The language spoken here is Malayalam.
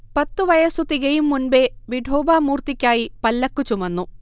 പത്തു വയസ്സു തികയും മുൻപേ വിഠോബാ മൂർത്തിക്കായി പല്ലക്ക് ചുമന്നു